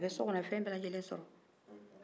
a bɛ sokɔnɔ a ye fɛn bɛɛ lajɛlen sɔrɔ